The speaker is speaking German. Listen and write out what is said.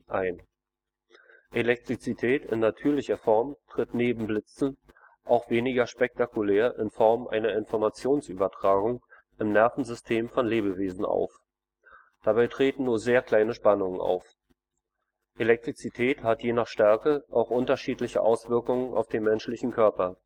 ein. Elektrizität in natürlicher Form tritt neben Blitzen auch weniger spektakulär in Form einer Informationsübertragung in Nervensystemen von Lebewesen auf. Dabei treten nur sehr kleine Spannungen auf. Elektrizität hat je nach Stärke auch unterschiedliche Auswirkungen auf den menschlichen Körper